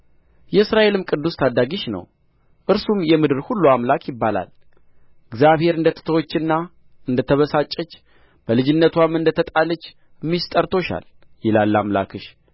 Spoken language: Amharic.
የእስራኤልም ቅዱስ ታዲጊሽ ነው እርሱም የምድር ሁሉ አምላክ ይባላል እግዚአብሔር እንደ ተተወችና እንደ ተበሳጨች በልጅነትዋም እንደ ተጣለች ሚስት ጠርቶሻል ይላል አምላክሽ